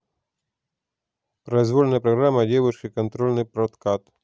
произвольная программа девушки контрольный прокат